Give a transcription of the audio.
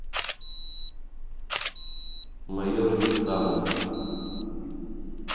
mayor из истана